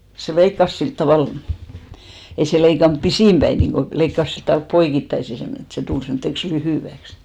se leikkasi sillä tavalla ei se leikannut pisin päin niin kuin leikkasi sillä tavalla poikittaisin semmoinen että se tuli semmoiseksi lyhyeksi